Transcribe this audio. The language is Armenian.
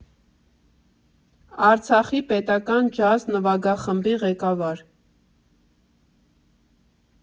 Արցախի պետական ջազ նվագախմբի ղեկավար։